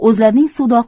o'zlarining suvda